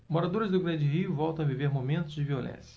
moradores do grande rio voltam a viver momentos de violência